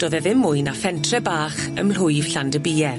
Do'dd e ddim mwy na phentre bach ym mhlwyf Llandybie.